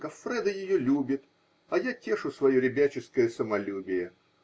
Гоффредо ее любит, а я тешу свое ребяческое самолюбие